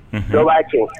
Unhun, dɔ b'a cɛ